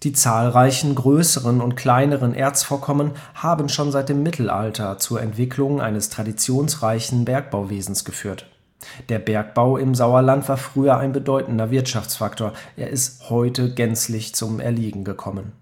zahlreichen größeren und kleineren Erzvorkommen haben schon seit dem Mittelalter zur Entwicklung eines traditionsreichen Bergbauwesens geführt. Der Bergbau im Sauerland war früher ein bedeutender Wirtschaftsfaktor; er ist heute gänzlich zum Erliegen gekommen